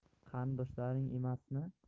qarindoshlaring emasmi